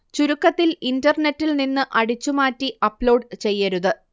ചുരുക്കത്തിൽ ഇന്റര്നെറ്റിൽ നിന്ന് അടിച്ചു മാറ്റി അപ്ലോഡ് ചെയ്യരുത്